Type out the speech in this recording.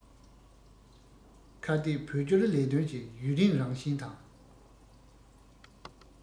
ཁ གཏད བོད སྐྱོར ལས དོན གྱི ཡུན རིང རང བཞིན དང